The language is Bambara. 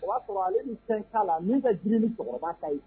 O b'a sɔrɔ ale bɛ fɛn'a la min ka jiri ni cɛkɔrɔba ka ɲi